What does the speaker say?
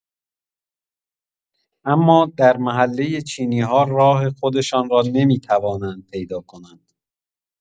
اما در محله چینی‌ها راه خودشان را نمی‌توانند پیدا کنند!